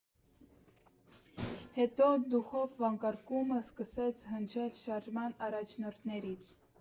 Հետո «Դուխո՜վ» վանկարկումը սկսեց հնչել շարժման առաջնորդներից։